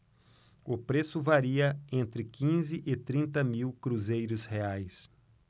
o preço varia entre quinze e trinta mil cruzeiros reais